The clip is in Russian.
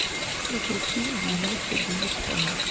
смотреть фильм девяносто девять франков